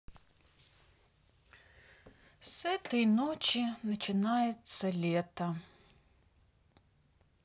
с этой ночи начинается лето